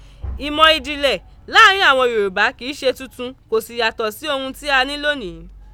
Ìmọ̀ ìjìnlẹ̀ láàrin àwọn Yorùbá kì í se tuntun kò sì yàtọ̀ sí ohun tí a ní lónìí.